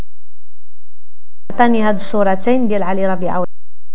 هذه صورتين لعلي ربيع